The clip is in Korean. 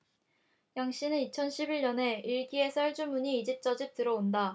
양씨는 이천 십 일 년에 일기에 쌀 주문이 이집저집 들어온다